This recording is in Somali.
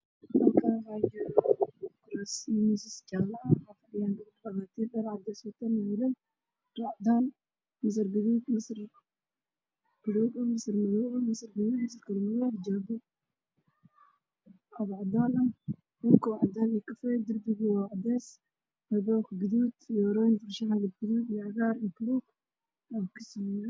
Waa meel ay dhaliyaan wilal iyo gabdha waxey wataan dhar cadaan ah